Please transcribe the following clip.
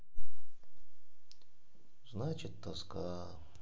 значит тоска